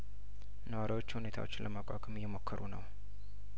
ነዋሪዎች ሁኔታዎችን ለማቋቋም እየሞከሩ ናቸው